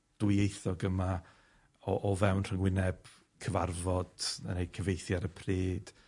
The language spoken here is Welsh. ddwyieithog yma o o fewn rhyngwyneb cyfarfod, a'i cyfieithu ar y pryd,